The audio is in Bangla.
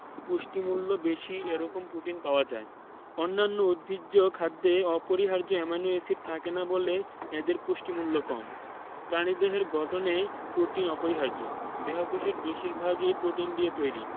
পুষ্টিমূল্য বেশি এরকম প্রোটিন পাওয়া যায় অন্যান্য উদ্ভিজ্জ খাদ্যে অপরিহার্য অ্যামাইনো এসিড থাকে না বলে এদের পুষ্টিমূল্য কম প্রাণীদেহের গঠনে প্রোটিন অপরিহার্য দেহকোষের বেশির ভাগই প্রোটিন দিয়ে তৈরি